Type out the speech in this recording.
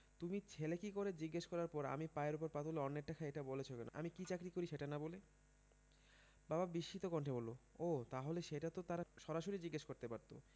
তুমি ছেলে কী করে জিজ্ঞেস করার পর আমি পায়ের ওপর পা তুলে অন্যেরটা খাই এটা বলেছ কেন আমি কী চাকরি করি সেটা না বলে বাবা বিস্মিত কণ্ঠে বলল ও তাহলে সেটা তো তারা সরাসরি জিজ্ঞেস করতে পারত